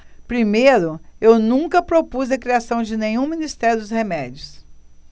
primeiro eu nunca propus a criação de nenhum ministério dos remédios